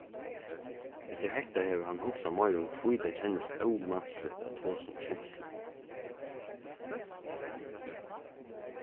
eftir hetta hevur hann hugsað meira um hví tað kennist ómansligt at tosa um kenslur